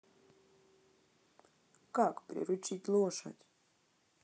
как приручить лошадь